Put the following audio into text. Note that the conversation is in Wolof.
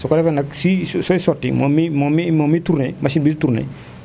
su ko defee nag suy sooy sotti moom mi moom mi moom miy tourné machine bi di tourné